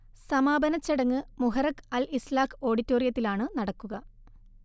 സമാപനച്ചടങ്ങ് Muharraq al Islah ഓഡിറ്റോറിയത്തിലാണ് നടക്കുക